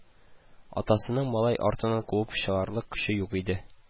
Атасының малай артыннан куып чыгарлык көче юк иде